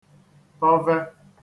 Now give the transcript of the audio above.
tọve